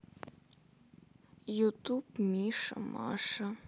ютуб миша маша